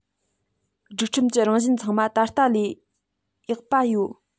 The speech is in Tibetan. སྒྲིག ཁྲིམས ཀྱི རང བཞིན ཚང མ ད ལྟ ལས ཡག པ ཡོད